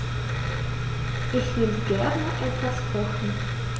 Ich will gerne etwas kochen.